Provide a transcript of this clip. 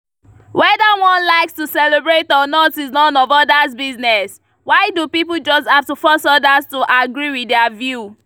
Whether one likes to celebrate or not is none of others’ business, why do people just have to force others to agree with their view?